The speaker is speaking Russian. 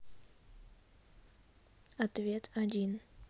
ответ один